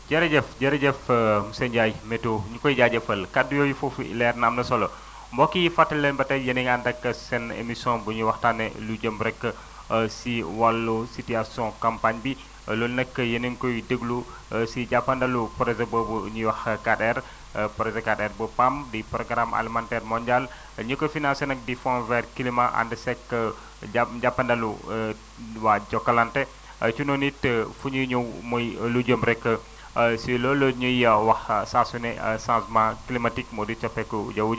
jërëjëf jërëjëf monsieur Ndiaye météo ñu koy jaajëfal kaddu yooyu foofu leer na am na solo mbokk yi fàttali leen ba tey yéen a ngi ànd ak seen émission bu ñuy waxtaanee lu jëm rek si wàllu situation campagne bi loolu nag yéen a ngi koy déglu si jàppandalu projet boobu ñuy wax 4R projet 4R bu PAM di programme alimentaire mondiale ñi ko financé nag di fond vert climat ànd seeg ja jàppandalu waa Jokalante ci noonu it fu ñuy ñëw muy lu jëm rek si loolu ñuy wax saa su ne changement climatique moo di soppeeku jaww